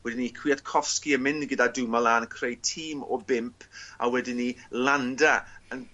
wedyn 'ny Kwiatkowski yn mynd gyda Dumoulin creu tîm o bump a wedyn 'ny Landa yn